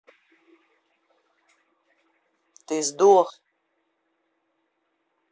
ты сдох